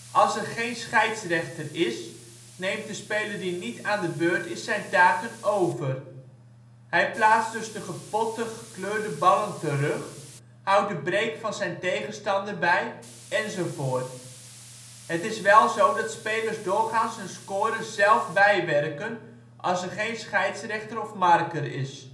Als er geen scheidsrechter is, neemt de speler die niet aan de beurt is zijn taken over. Hij plaatst dus de gepotte gekleurde ballen terug, houdt de break van zijn tegenstander bij enzovoort. Het is wel zo dat spelers doorgaans hun score zelf bijwerken als er geen scheidsrechter of marker is